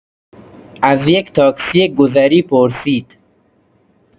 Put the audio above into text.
از یک تاکسی گذری پرسید.